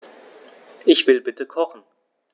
Ich will bitte kochen.